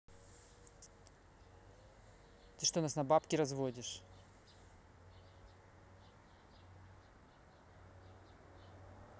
ты что нас на бабки разводишь